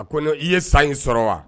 A ko i ye san in sɔrɔ wa